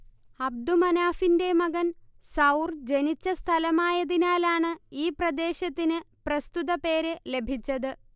അബ്ദുമനാഫിന്റെ മകൻ സൌർ ജനിച്ച സ്ഥലമായതിനാലാണ് ഈ പ്രദേശത്തിന് പ്രസ്തുത പേര് ലഭിച്ചത്